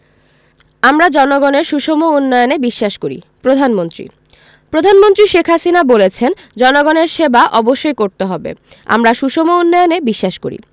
আমরা জনগণের সুষম উন্নয়নে বিশ্বাস করি প্রধানমন্ত্রী প্রধানমন্ত্রী শেখ হাসিনা বলেছেন জনগণের সেবা অবশ্যই করতে হবে আমরা সুষম উন্নয়নে বিশ্বাস করি